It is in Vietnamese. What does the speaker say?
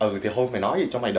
ừ thì hôm phải nói cho mày